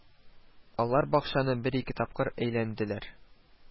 Алар бакчаны бер-ике тапкыр әйләнделәр